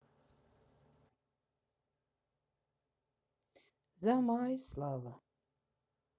замай слава